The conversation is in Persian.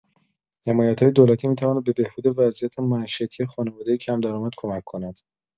حمایت‌های دولتی می‌تواند به بهبود وضع معیشتی خانواده‌های کم‌درآمد کمک کند.